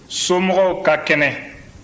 somɔgɔw ka kɛnɛ